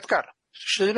Edgar?